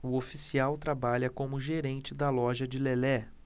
o oficial trabalha como gerente da loja de lelé